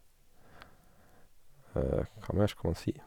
Hva mer skal man si?